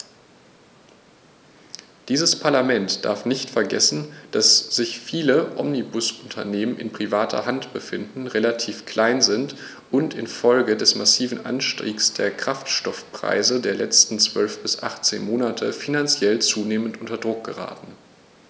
Dieses Parlament darf nicht vergessen, dass sich viele Omnibusunternehmen in privater Hand befinden, relativ klein sind und in Folge des massiven Anstiegs der Kraftstoffpreise der letzten 12 bis 18 Monate finanziell zunehmend unter Druck geraten.